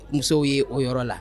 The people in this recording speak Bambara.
Musow ye o yɔrɔ la